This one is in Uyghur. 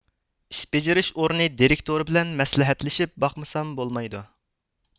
ئىش بېجىرىش ئورنى دىرېكتورى بىلەن مەسلىھەتلىشىپ باقمىسام بولمايدۇ